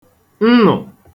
nnụ̀